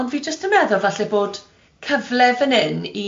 ond fi jyst yn meddwl falle bod cyfle fan hyn i